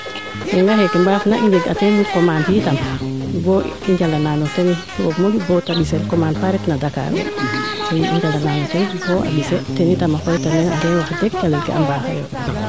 xa yenga xene mbaaf na i njeg a ten commande itam boo i njala naan o ten roog moƴu boote mbisel commande faa retna Dackar oo boo a mbise tena tam a xooyta meen e waxdeg calel ke a mbaxayo